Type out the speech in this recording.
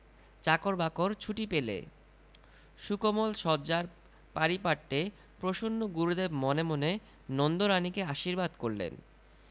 চাকর বাকর ছুটি পেলে সুকোমল শয্যার পারিপাট্যে প্রসন্ন গুরুদেব মনে মনে নন্দরানীকে আশীর্বাদ করলেন